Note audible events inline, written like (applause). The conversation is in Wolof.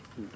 (hesitation) (hesitation)